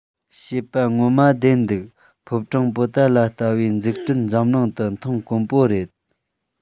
བཤད པ ངོ མ བདེན འདུག ཕོ བྲང པོ ཏ ལ ལྟ བུའི འཛུགས སྐྲུན འཛམ གླིང དུ མཐོང དཀོན པོ རེད